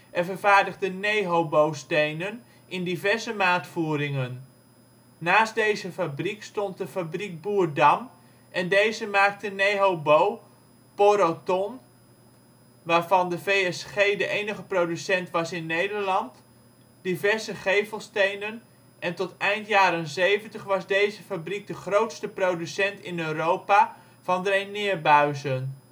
en vervaardigde NeHoBo stenen in diverse maatvoeringen. Naast deze fabriek stond de fabriek Boerdam en deze maakte NeHoBo, Poroton (waarvan de V.S.G de enige producent was in Nederland) diverse gevelstenen en tot eind jaren ' 70 was deze fabriek de grootste producent in Europa van draineerbuizen